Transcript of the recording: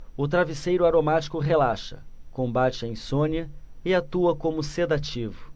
o travesseiro aromático relaxa combate a insônia e atua como sedativo